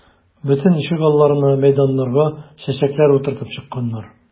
Бөтен ишек алларына, мәйданнарга чәчәкләр утыртып чыкканнар.